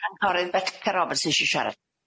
Cynghorydd Beca Roberts isio siarad.